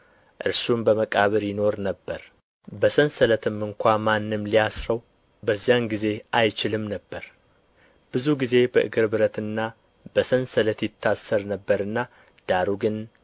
እርሱም በመቃብር ይኖር ነበር በሰንሰለትም ስንኳ ማንም ሊያስረው በዚያን ጊዜ አይችልም ነበር ብዙ ጊዜ በእግር ብረትና በሰንሰለት ይታሰር ነበርና ዳሩ ግን